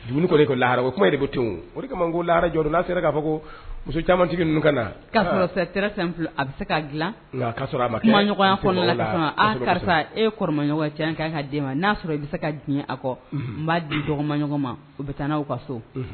Dugu ko laha bɛ to o kama ko laraj sera k'a fɔ ko muso caman ninnu na a bɛ se ka dila a karisa e kɔrɔmaɲɔgɔn cɛ kan ka' ma n'a sɔrɔ i bɛ se ka diɲɛ a kɔ n b'a di dɔgɔma ɲɔgɔn ma u bɛ taa n'aw ka so